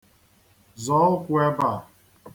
Zọọ ụkwụ ebe a.